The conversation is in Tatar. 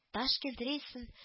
Ташкент рейсын